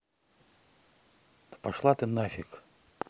да пошла ты нафиг